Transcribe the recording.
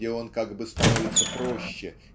где он как бы становится проще